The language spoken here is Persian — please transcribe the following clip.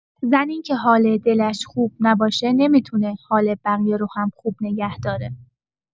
زنی که حال دلش خوب نباشه، نمی‌تونه حال بقیه رو هم خوب نگه داره.